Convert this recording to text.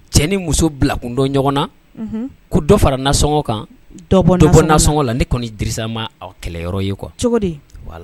Cɛ ni muso bilakun dɔ ɲɔgɔn na ko dɔ fara na sɔngɔ kan dɔbɔ dɔbɔ na sɔngɔ la ne kɔni dima kɛlɛyɔrɔ ye kɔ cogo di